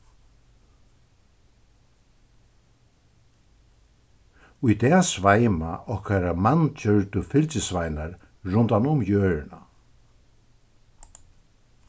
í dag sveima okkara manngjørdu fylgisveinar rundan um jørðina